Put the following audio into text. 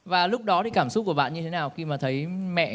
và lúc đó thì cảm xúc của bạn như thế nào khi mà thấy mẹ